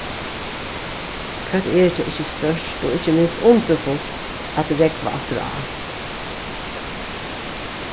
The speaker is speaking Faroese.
hvat er tað ikki stórt og ikki minst undurfult at rógva afturá